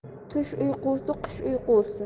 tush uyqusi qush uyqusi